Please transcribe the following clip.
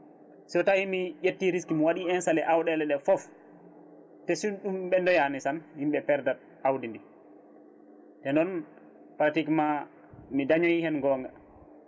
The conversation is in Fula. so tawi mi ƴetti risque mi waɗi installé awɗele ɗe foof te sinno ɗum ɓe dañani tan yimɓe perde at awdi ndi e noon pratiquement mi dañoyi hen gonga